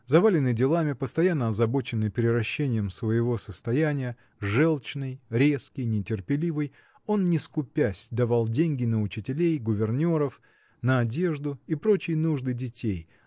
Заваленный делами, постоянно озабоченный приращением своего состояния, желчный, резкий, нетерпеливый, он не скупясь давал деньги на учителей, гувернеров, на одежду и прочие нужды детей